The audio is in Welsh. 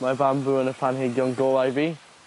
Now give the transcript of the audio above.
Mae bambŵ yn y planhigion gorau fi.